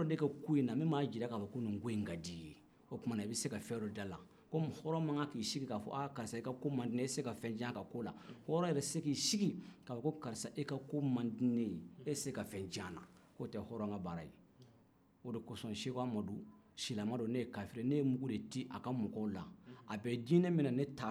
o de kɔsɔn seko amadu silamɛ don ne ye kafiri ye ne ye mugu de ci a ka mɔgɔw la a bɛ dinɛ min na ne ta fɛ a man di n ye mansa kɛ fila tɛ bɛn o de kɔsɔn ne ye baara in kɛ